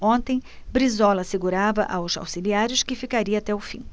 ontem brizola assegurava aos auxiliares que ficaria até o fim